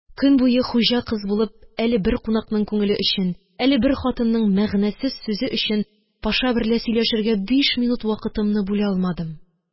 Көн буе хуҗа кыз булып, әле бер кунакның күңеле өчен, әле бер хатынның мәгънәсез сүзе өчен Паша берлә сөйләшергә биш минут вакытымны бүлә алмадым.